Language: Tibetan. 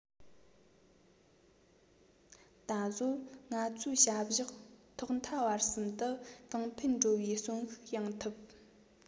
ད གཟོད ང ཚོའི བྱ གཞག ཐོག མཐའ བར གསུམ དུ གོང འཕེལ འགྲོ བའི གསོན ཤུགས ཡོང ཐུབ